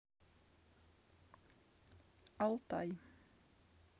алтай